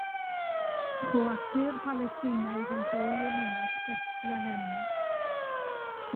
###ffoadur Palisteinaidd yn byw yn Ninas Bethlehem.